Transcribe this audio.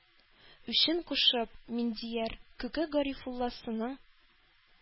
Үчен кушып, миндияр күке гарифулласының